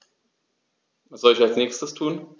Was soll ich als Nächstes tun?